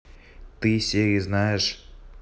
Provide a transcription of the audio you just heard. ты сири знаешь